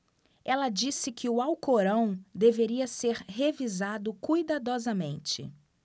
ela disse que o alcorão deveria ser revisado cuidadosamente